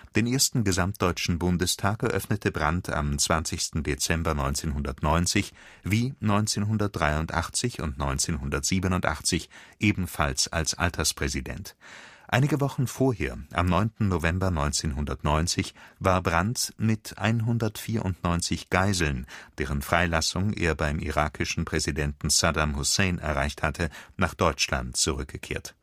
Den ersten gesamtdeutschen Bundestag eröffnete Brandt am 20. Dezember 1990 wie 1983 und 1987 ebenfalls als Alterspräsident. Einige Wochen vorher, am 9. November 1990, war Brandt mit 194 Geiseln, deren Freilassung er beim irakischen Präsidenten Saddam Hussein erreicht hatte, nach Deutschland zurückgekehrt